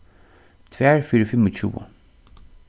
tvær fyri fimmogtjúgu